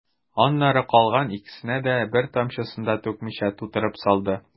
Аннары калган икесенә дә, бер тамчысын да түкмичә, тутырып салды.